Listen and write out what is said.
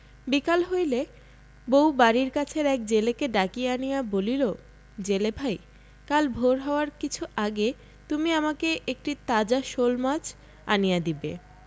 বিকাল হইলে বউ বাড়ির কাছের এক জেলেকে ডাকিয়া আনিয়া বলিল জেলে ভাই কাল ভোর হওয়ার কিছু আগে তুমি আমাকে একটি তাজা শোলমাছ আনিয়া দিবে